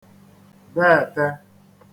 beète